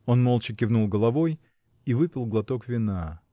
Он молча кивнул головой и выпил глоток вина.